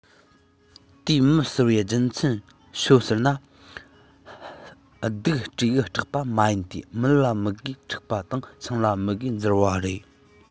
དེ མི ཟེར བའི རྒྱུ མཚན ཤོད ཟེར ན སྡུག སྤྲེའུར སྐྲག པ མ ཡིན ཏེ མི ལ མི དགོས འཁྲུག པ རེད ཤིང ལ མི དགོས འཛེར པ རེད